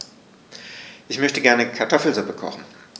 Ich möchte gerne Kartoffelsuppe kochen.